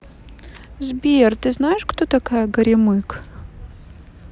сбер ты знаешь кто такая горемык